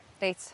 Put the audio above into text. Reit